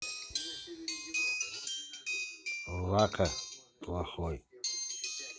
вака плохой